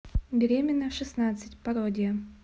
беременная в шестнадцать пародия